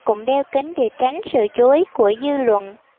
cũng đeo kính để tránh sự chú ý của dư luận